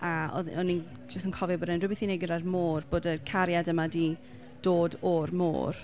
A oedd... o'n i jyst yn cofio bod e'n rywbeth i wneud gyda'r môr, bod y cariad yma 'di dod o'r môr.